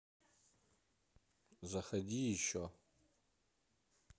заходи еще